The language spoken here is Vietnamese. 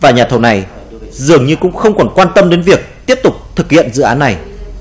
và nhà thầu này dường như cũng không còn quan tâm đến việc tiếp tục thực hiện dự án này